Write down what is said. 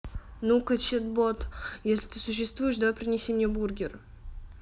а ну ка чатбот если ты существуешь давай принеси мне бургер